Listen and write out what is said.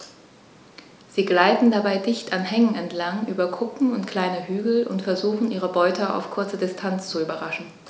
Sie gleiten dabei dicht an Hängen entlang, über Kuppen und kleine Hügel und versuchen ihre Beute auf kurze Distanz zu überraschen.